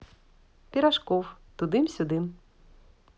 пирожков тудым сюдым